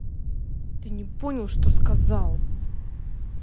ты не понял что сказал